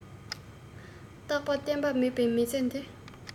རྟག པ བརྟན པ མེད པའི མི ཚེ འདི